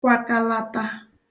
kwakalata